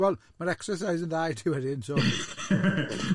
Wel, mae'r exercise yn dda i ti wedyn, so.